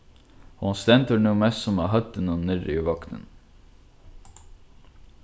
hon stendur nú mest sum á høvdinum niðri í vogninum